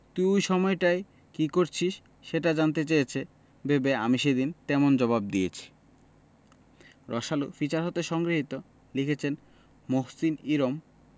তুই ওই সময়টায় কী করছিস সেটি জানতে চেয়েছে ভেবে আমি সেদিন তেমন জবাব দিয়েছি রসআলো ফিচার হতে সংগৃহীত লিখেছেনঃ মুহসিন ইরম